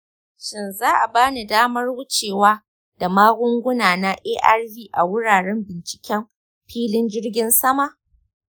shin za a bani damar wucewa da magungunana na arv a wuraren binciken filin jirgin sama?